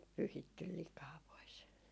pyyhitty likaa pois